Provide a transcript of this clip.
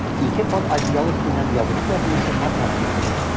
Ике кат одеял өстеннән ябынып яту өчен матрас бирделәр.